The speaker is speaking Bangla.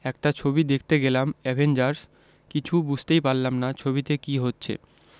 একটা ছবি দেখতে গেলাম অ্যাভেঞ্জার্স কিছু বুঝতেই পারলাম না ছবিতে কী হচ্ছে